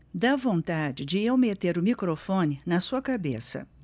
dá vontade de eu meter o microfone na sua cabeça